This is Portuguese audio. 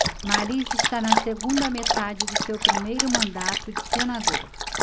mariz está na segunda metade do seu primeiro mandato de senador